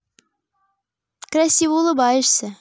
красиво улыбаешься